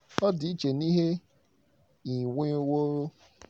Ọ dị iche n'ihe i nweworo.